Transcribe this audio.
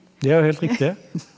det er jo helt riktig.